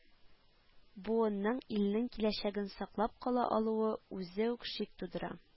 Буынның илнең киләчәген саклап кала алуы үзе үк шик тудыра